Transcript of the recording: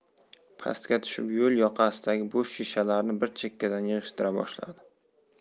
pastga tushib yo'l yoqasidagi bo'sh shishalarni bir chekkadan yig'ishtira boshladi